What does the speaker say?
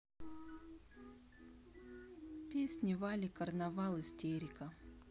песни вали карнавал истерика